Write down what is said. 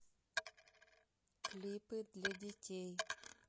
клипы для детей